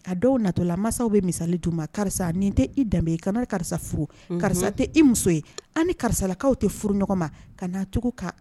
Natɔla masaw bɛsali karisa tɛ danbe ye kana karisa karisa tɛ muso ye karisalakaw tɛ furu ɲɔgɔn ma ka cogo'